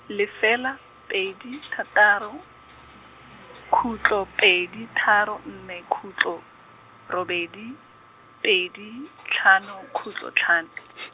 lefela, pedi thataro, khutlo pedi tharo nne khutlo, robedi, pedi, tlhano khutlo tlhano .